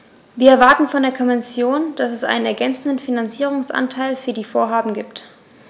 Wir erwarten von der Kommission, dass es einen ergänzenden Finanzierungsanteil für die Vorhaben gibt.